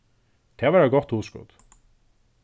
tað var eitt gott hugskot